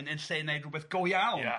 yn yn lle neud rwbeth go iawn